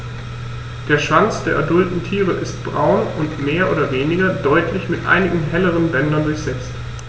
Der Schwanz der adulten Tiere ist braun und mehr oder weniger deutlich mit einigen helleren Bändern durchsetzt.